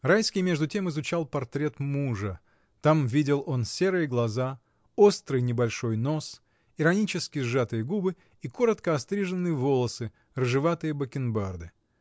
Райский между тем изучал портрет мужа: там видел он серые глаза, острый, небольшой нос, иронически сжатые губы и коротко остриженные волосы, рыжеватые бакенбарды.